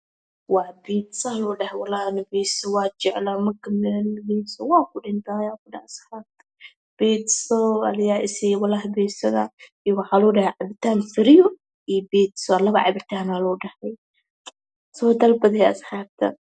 Halkan waxaa yalo bess iyo cabitan